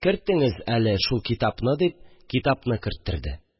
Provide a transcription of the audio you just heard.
«кертеңез әле шул китапны», – дип, китапны керттерде